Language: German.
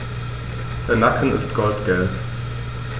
Der Nacken ist goldgelb.